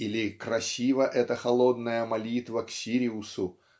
или красива эта холодная молитва к Сириусу